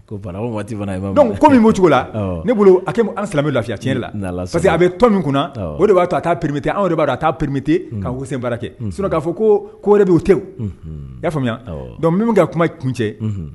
donc ko min b'o cogo la, awɔ, ne bolo an silamɛw lafiya tiɲɛ yɛrɛ la parce que a bɛ tɔn min kunna o de b'a to a a t'a permettez anw yɛrɛ b'a dɔn a t'a permettez ka osen baara kɛ sinon k'a fɔ ko ko wɛrɛ tɛ yen, unhun, i y'a faamuya, donc n bɛ min kɛ ka kuma kun cɛ